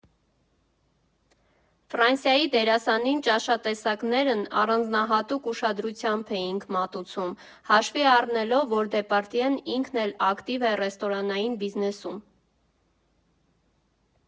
Ֆրանսիացի դերասանին ճաշատեսակներն առանձնահատուկ ուշադրությամբ էինք մատուցում՝ հաշվի առնելով, որ Դեպարդյեն ինքն էլ ակտիվ է ռեստորանային բիզնեսում։